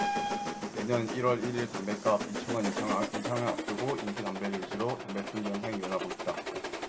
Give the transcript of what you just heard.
내년 일 월 일 일 담뱃값 이 천원 인상을 앞두고 인기 담배를 위주로 담배 품귀 현상이 일어나고 있다